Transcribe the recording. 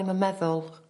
...ddim yn meddwl